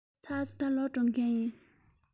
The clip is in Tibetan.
ཚར སོང ད ལོག འགྲོ མཁན ཡིན